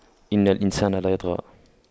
إِنَّ الإِنسَانَ لَيَطغَى